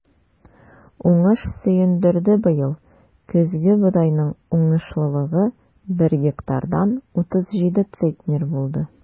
Уңыш сөендерде быел: көзге бодайның уңышлылыгы бер гектардан 37 центнер булды.